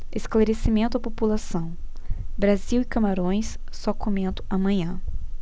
esclarecimento à população brasil e camarões só comento amanhã